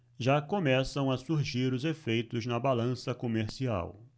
já começam a surgir os efeitos na balança comercial